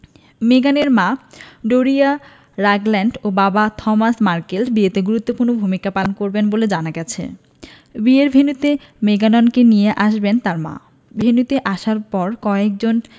মেগানের মা Doria Ragland ও বাবা থমাস মার্কেল বিয়েতে গুরুত্বপূর্ণ ভূমিকা পালন করবেন বলে জানা গেছে বিয়ের ভেন্যুতে মেগানকে নিয়ে আসবেন তাঁর মা ভেন্যুতে আসার পর কয়েকজন